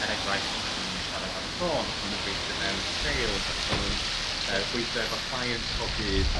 er enghraifft os ma' nw'n siarad ar y ffôn os ma' nw'n gweithio mewn sales os ma' nw'n yy gweithio efo client pob dydd